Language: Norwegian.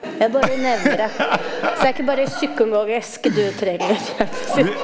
jeg bare nevner det, så det er ikke bare psykologisk du trenger si.